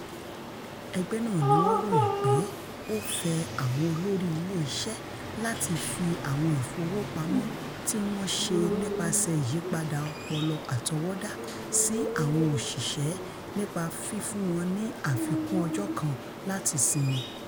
Ẹgbẹ́ náà ni wọn ròyin pé ó fẹ̵ àwọn olórí ilé iṣẹ́ láti fí àwọn ìfowópamọ́ tí wọ́n ṣe nípaṣẹ̀ ìyípadà ọpọlọ àtọwọ́dá sí àwọn òṣìṣẹ̵̵́ nípa fífún wọn ní àfikún ọjọ́ kan láti sinmi.